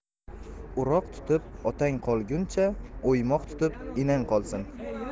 o'roq tutib otang qolguncha o'ymoq tutib enang qolsin